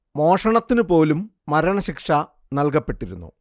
മോഷണത്തിനു പോലും മരണ ശിക്ഷ നൽകപ്പെട്ടിരുന്നു